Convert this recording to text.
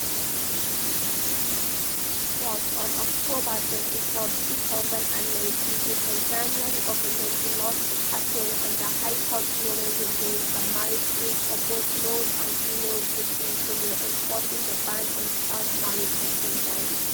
But on October 23, 2019, the Tanzanian government lost its appeal and the high court ruling remains: The marriage age for both males and females is 18, reinforcing the ban on child marriage in Tanzania.